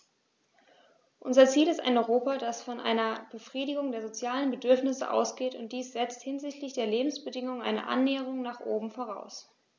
Unser Ziel ist ein Europa, das von einer Befriedigung der sozialen Bedürfnisse ausgeht, und dies setzt hinsichtlich der Lebensbedingungen eine Annäherung nach oben voraus.